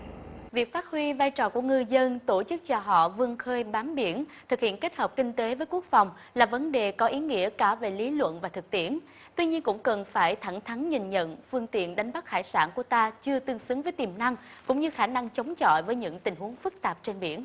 việc phát huy vai trò của ngư dân tổ chức cho họ vươn khơi bám biển thực hiện kết hợp kinh tế với quốc phòng là vấn đề có ý nghĩa cả về lý luận và thực tiễn tuy nhiên cũng cần phải thẳng thắn nhìn nhận phương tiện đánh bắt hải sản của ta chưa tương xứng với tiềm năng cũng như khả năng chống chọi với những tình huống phức tạp trên biển